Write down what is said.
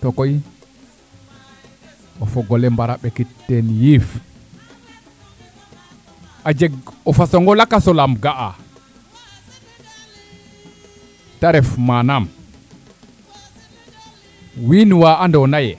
to koy o fogole a ɓara mbakiteen yiif a jeg a facon o lakaso laam ga'a te ref manam wiin wa ando naye